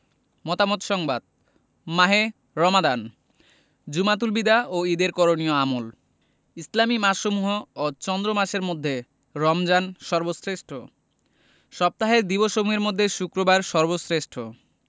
মতামত সংবাদ মাহে রমাদান জুমাতুল বিদা ও ঈদের করণীয় আমল ইসলামি মাসসমূহ ও চন্দ্রমাসের মধ্যে রমজান সর্বশ্রেষ্ঠ সপ্তাহের দিবসসমূহের মধ্যে শুক্রবার সর্বশ্রেষ্ঠ